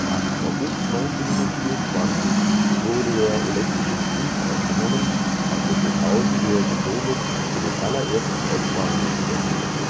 8. August 1924 wurde der elektrische Betrieb aufgenommen, Pankow-Schönhausen gehörte somit zu den allerersten S-Bahnhöfen Berlins